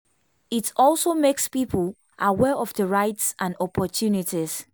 It also makes people aware of their rights and opportunities.